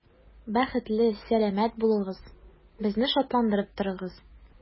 Бәхетле, сәламәт булыгыз, безне шатландырып торыгыз.